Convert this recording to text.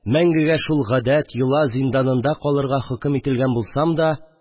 Мәңгегә шул гадәт, йола зинданында калырга хөкем ителгән булсам да